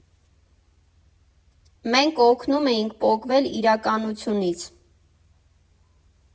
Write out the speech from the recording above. Մենք օգնում էինք պոկվել իրականությունից։